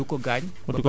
ba du ko gaañ